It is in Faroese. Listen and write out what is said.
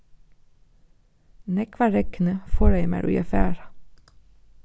nógva regnið forðaði mær í at fara